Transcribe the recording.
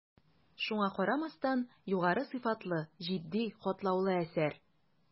Шуңа карамастан, югары сыйфатлы, житди, катлаулы әсәр.